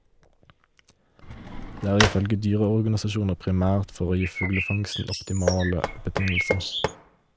Det er ifølge dyreorganisasjoner primært for å gi fuglefangsten optimale betingelser.